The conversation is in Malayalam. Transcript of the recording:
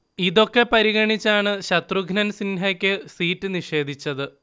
ഇതൊക്കെ പരിഗണിച്ചാണ് ശത്രുഘ്നൻ സിൻഹയ്ക്ക് സീറ്റ് നിഷേധിച്ചത്